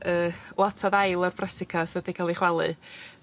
yy lot o ddail o'r brasicas o'dd 'di ca'l 'u chwalu.